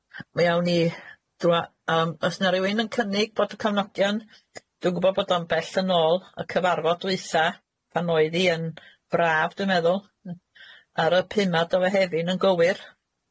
Mi awn ni drwa-... Yym, o's 'na rywun yn cynnig bod y cofnodion... Dwi'n gwbod bod o'n bell yn ôl y cyfarfod dwytha, pan oedd 'i yn braf dwi'n meddwl, ar y pumad o Fehefin yn gywir.